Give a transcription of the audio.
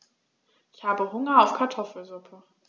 Ich habe Hunger auf Kartoffelsuppe.